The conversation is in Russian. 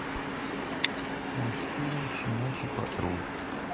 мультфильм щенячий патруль